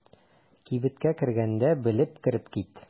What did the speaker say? Кибеткә кергәндә белеп кереп кит.